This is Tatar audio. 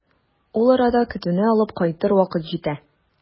Ул арада көтүне алып кайтыр вакыт җитә.